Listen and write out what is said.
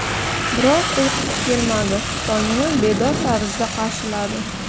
biroq uyqusi kelmadi tongni bedor tarzda qarshiladi